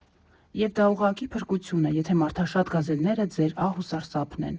Եվ դա ուղղակի փրկություն է, եթե մարդաշատ գազելները ձեր ահ ու սարսափն են։